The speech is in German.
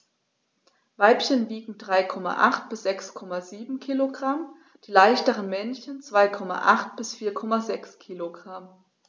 Weibchen wiegen 3,8 bis 6,7 kg, die leichteren Männchen 2,8 bis 4,6 kg.